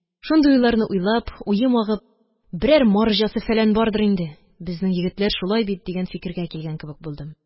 Шундый уйларны уйлап, уем агып, берәр марҗасы-фәлән бардыр инде, безнең егетләр шулай бит, дигән фикергә килгән кебек булдым